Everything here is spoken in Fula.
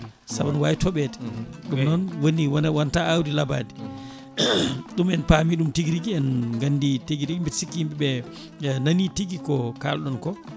saabu ene wawi tooɓede ɗum noon woni wonta awdi labadi ɗum en paami ɗum tigui rigui en gandi tigui rigui mbiɗa sikki yimɓeɓe nani tigui ko kalɗon ko